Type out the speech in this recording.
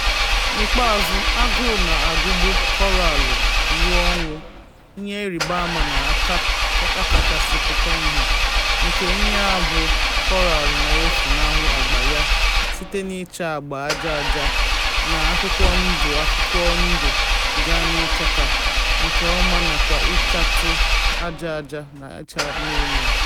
N'ikpeazụ, agụụ na-agụgbụ Koraalụ ruo ọnwụ; ihe ịrịba ama na-akachasị pụta ihe nke ihe a bụ na Koraalụ na-efunahụ agba ya, site n'ịcha agba aja aja na akwụkwọ ndụ akwụkwọ ndụ gaa n'ịchake nke ọma nakwa ichatu aja aja, na icha ọcha mmirimmiri.